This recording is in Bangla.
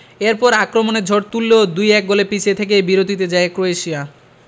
এরপর আক্রমণের ঝড় তুললেও ২ ১ গোলে পিছিয়ে থেকেই বিরতিতে যায় ক্রোয়েশিয়া